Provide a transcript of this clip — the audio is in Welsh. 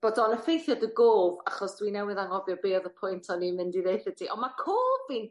bod o'n effeithio dy gof achos dwi newydd angofio be' o'dd y pwynt o'n i'n mynd i ddeutho ti. On' ma' cof fi'n